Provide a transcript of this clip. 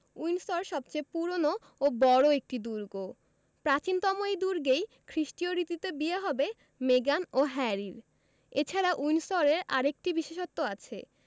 Windsor সবচেয়ে পুরোনো ও বড় একটি দুর্গ প্রাচীনতম এই দুর্গেই খ্রিষ্টীয় রীতিতে বিয়ে হবে মেগান ও হ্যারির এ ছাড়া উইন্ডসরের আরেকটি বিশেষত্ব আছে